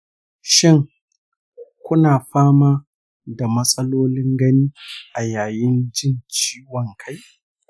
shin ku na fama da matsalolin gani a yayin jin ciwon kai?